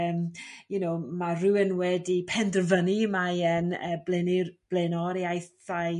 eem you know ma' r'ywun wedi penderfynu mae e'n bblaenoriaethau